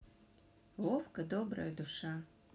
вовка добрая душа